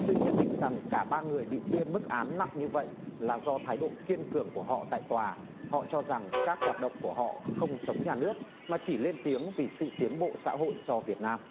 sư nhận định rằng cả ba người bị tuyên mức án nặng như vậy là do thái độ kiên cường của họ tại tòa họ cho rằng các hoạt động của họ không chống nhà nước mà chỉ lên tiếng vì sự tiến bộ xã hội cho việt nam